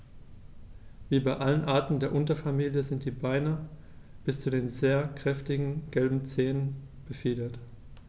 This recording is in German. Wie bei allen Arten der Unterfamilie sind die Beine bis zu den sehr kräftigen gelben Zehen befiedert.